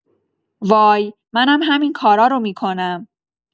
وای، منم همین کارها رو می‌کنم.